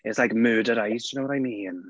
He has like murder eyes, do you know what I mean?